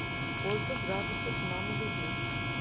сколько градусов на малибу